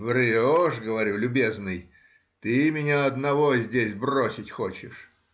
— Врешь,— говорю,— любезный, ты меня одного здесь бросить хочешь.